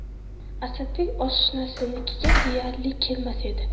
asadbek oshnasinikiga deyarli kelmas edi